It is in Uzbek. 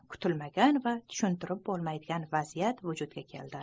kutilmagan va tushuntirib bo'lmaydigan vaziyat vujudga keldi